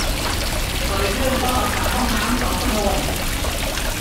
เปิดเครื่องฟอกอากาศห้องน้ำสองชั่วโมง